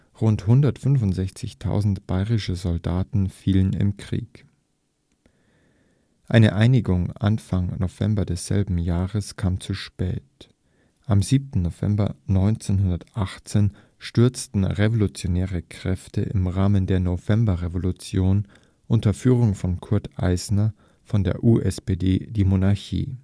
Rund 165.000 bayerische Soldaten fielen im Krieg. Eine Einigung Anfang November desselben Jahres kam zu spät. Am 7. November 1918 stürzten revolutionäre Kräfte im Rahmen der Novemberrevolution unter Führung von Kurt Eisner von der USPD die Monarchie